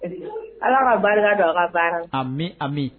Ala ka barika dɔgɔ ka baara a a min